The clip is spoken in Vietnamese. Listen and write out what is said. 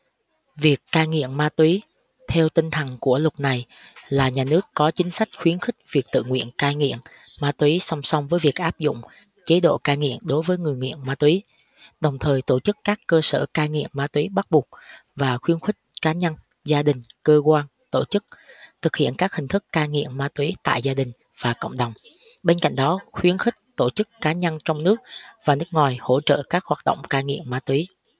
việc cai nghiện ma túy theo tinh thần của luật này là nhà nước có chính sách khuyến khích việc tự nguyện cai nghiện ma túy song song với việc áp dụng chế độ cai nghiện đối với người nghiện ma túy đồng thời tổ chức các cơ sở cai nghiện ma túy bắt buộc và khuyến khích cá nhân gia đình cơ quan tổ chức thực hiện các hình thức cai nghiện ma túy tại gia đình và cộng đồng bên cạnh đó khuyến khích tổ chức cá nhân trong nước và nước ngoài hỗ trợ các hoạt động cai nghiện ma túy